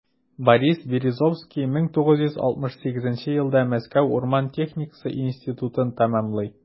Борис Березовский 1967 елда Мәскәү урман техникасы институтын тәмамлый.